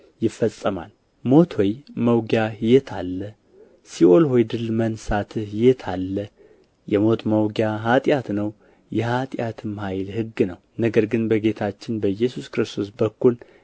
ይፈጸማል ሞት ሆይ መውጊያህ የት አለ ሲኦል ሆይ ድል መንሣትህ የት አለ የሞት መውጊያ ኃጢአት ነው የኃጢአትም ኃይል ሕግ ነው ነገር ግን በጌታችን በኢየሱስ ክርስቶስ በኩል